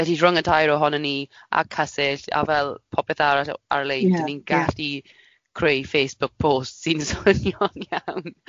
Felly rhwng y tair ohonon ni a cysill a fel popeth arall ar-lein... Ie ie. ...dan ni'n gallu creu Facebook posts sy'n swnio'n iawn .